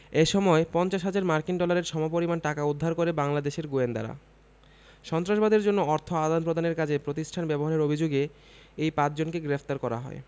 এ সময় ৫০ হাজার মার্কিন ডলারের সমপরিমাণ টাকা উদ্ধার করে বাংলাদেশের গোয়েন্দারা সন্ত্রাসবাদের জন্য অর্থ আদান প্রদানের কাজে প্রতিষ্ঠান ব্যবহারের অভিযোগে এই পাঁচজনকে গ্রেপ্তার করা হয়